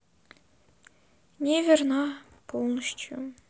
не верна полностью